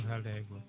oto haalde hay goto